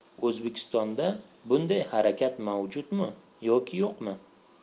o'zbekistonda bunday harakat mavjudmi yoki yo'qmi